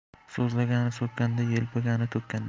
so'zlagani so'kkanday yelpigani to'kkanday